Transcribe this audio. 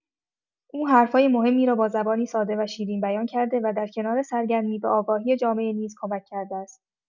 او حرف‌های مهمی را با زبانی ساده و شیرین‌بیان کرده و در کنار سرگرمی، به آگاهی جامعه نیز کمک کرده است.